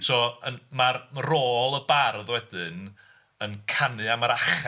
So yn... ma'r ma' rôl y bardd wedyn yn canu am yr achau.